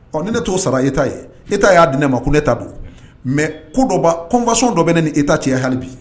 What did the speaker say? Ɔ ni ne t'o sara e t'a ye e t'a y'a di ne ma ko ne ta don mɛ ko dɔba kofaso dɔ bɛ ne ni e ta cɛ hali bi